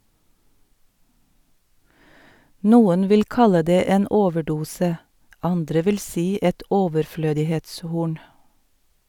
Noen vil kalle det en overdose, andre vil si et overflødighetshorn.